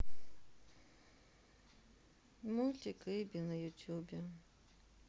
мультик иби на ютубе